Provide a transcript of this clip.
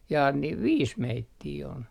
jaa niin viisi meitä on